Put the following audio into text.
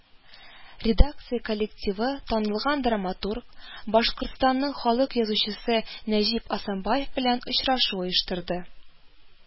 Редакция коллективы танылган драматург, Башкортстанның халык язучысы Нәҗип Асанбаев белән очрашу оештырды